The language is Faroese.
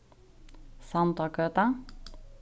sandágøta